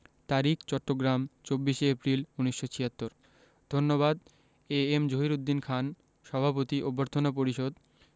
তারিখ চট্টগ্রাম ২৪শে এপ্রিল ১৯৭৬ ধন্যবাদ এ এম জহিরুদ্দিন খান সভাপতি অভ্যর্থনা পরিষদ